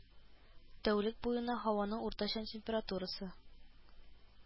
Тәүлек буена һаваның уртача температурасы